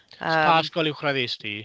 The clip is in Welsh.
Yym... so pa ysgol uwchradd es di?